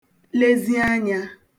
lezi anya